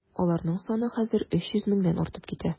Аларның саны хәзер 300 меңнән артып китә.